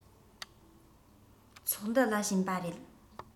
ཚོགས འདུ ལ ཕྱིན པ རེད